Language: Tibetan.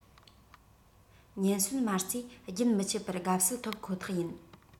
ཉེན ཟོན མ རྩས རྒྱུན མི ཆད པར དགའ བསུ ཐོབ ཁོ ཐག ཡིན